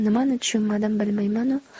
nimani tushunmadim bilmaymanu